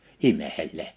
imeskelee